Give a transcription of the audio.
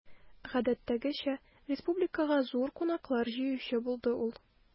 Гадәттәгечә, республикага зур кунаклар җыючы булды ул.